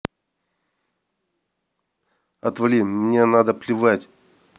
отвали мне надо плевать